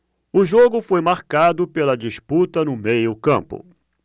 o jogo foi marcado pela disputa no meio campo